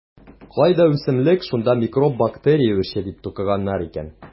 Кайда үсемлек - шунда микроб-бактерия үрчи, - дип тукыганнар икән.